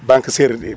banque